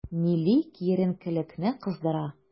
Милли киеренкелекне кыздыра.